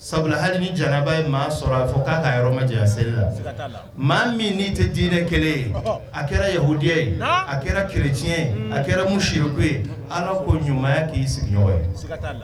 Sabula hali ni jaraba ye maa sɔrɔ a fɔ k'a ka yɔrɔ ma jan seli la maa min n' tɛ diinɛ kelen ye a kɛra yediya ye a kɛra kec ye a kɛra mu sireku ye ala k'o ɲumanya k'i sigiɲɔgɔn ye